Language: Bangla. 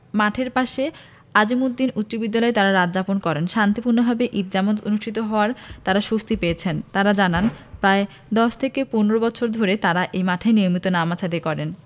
মাঠের পাশে আজিমুদ্দিন উচ্চবিদ্যালয়ে তাঁরা রাত যাপন করেন শান্তিপূর্ণভাবে ঈদ জামাত অনুষ্ঠিত হওয়ায় তাঁরা স্বস্তি পেয়েছেন তাঁরা জানান প্রায় ১০ থেকে ১৫ বছর ধরে তাঁরা এ মাঠে নিয়মিত নামাজ আদায় করেন